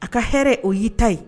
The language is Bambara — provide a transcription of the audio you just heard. A ka hɛrɛ o y'i ta ye